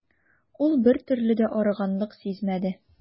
Ул бертөрле дә арыганлык сизмәде.